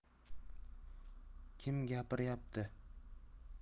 kim gapiryapti